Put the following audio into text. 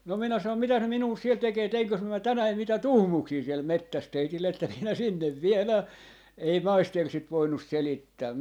no minä sanoin mitäs ne minua siellä tekee teinkös minä tänään mitä tuhmuuksia siellä metsässä teille että minä sinne viedään ei maisteri sitä voinut selittää